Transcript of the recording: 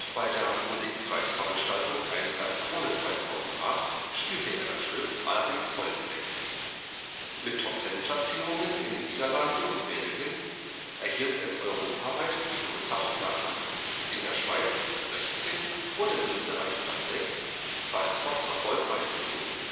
bei der Musikpreisveranstaltung 1 Live Krone 2008 spielte er das Stück, allerdings Voll-Playback. Mit Top-Ten-Platzierungen in den Niederlanden und Belgien erhielt es europaweit die größte Aufmerksamkeit, in der Schweiz (Platz 16) und in Österreich (Platz 6) war es Fox ' erfolgreichste Single